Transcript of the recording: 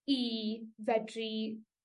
i fedru